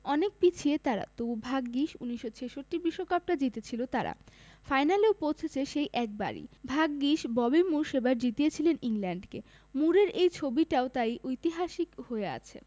অনেক পিছিয়ে তারা তবু ভাগ্যিস ১৯৬৬ বিশ্বকাপটা জিতেছিল তারা ফাইনালেও পৌঁছেছে সেই একবারই ভাগ্যিস ববি মুর সেবার জিতিয়েছিলেন ইংল্যান্ডকে মুরের এই ছবিটাও তাই ঐতিহাসিক হয়ে আছে